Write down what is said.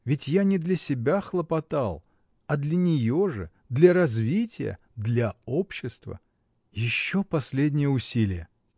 ведь я не для себя хлопотал, а для нее же. для развития. “для общества”. Еще последнее усилие!.